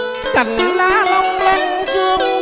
cành lá long